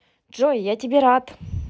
джой я тебе рад